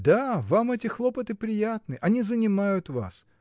— Да, вам эти хлопоты приятны, они занимают вас